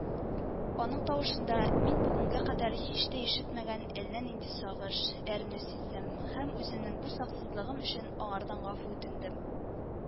Аның тавышында мин бүгенгә кадәр һич тә ишетмәгән әллә нинди сагыш, әрнү сиздем һәм үземнең бу саксызлыгым өчен аңардан гафу үтендем